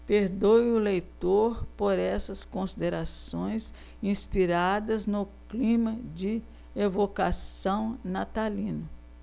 perdoe o leitor por essas considerações inspiradas no clima de evocação natalino